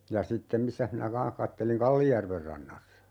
ja sitten missäs minä kanssa katselin Kallijärven rannassa